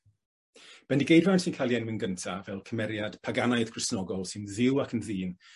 Bendigeidfran sy'n ca'l 'i enwi'n gynta fel cymeriad Paganaidd Crisnogol sy'n dduw ac yn ddyn,